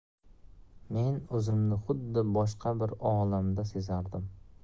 men o'zimni xuddi boshqa bir olamda sezardim